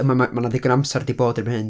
A ma- ma' 'na ddigon o amser 'di bod erbyn hyn.